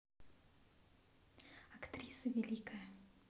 актриса великая